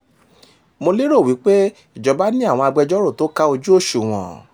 Mo lérò wípé ìjọba ní àwọn agbẹjọ́rò tó ká ojú òṣùwọ̀n.